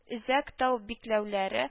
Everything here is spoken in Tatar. Өзәк тау биклүләре